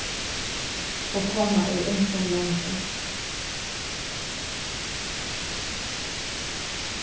og koma úr ymsum londum